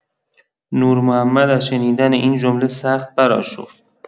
نورمحمد از شنیدن این جمله سخت برآشفت.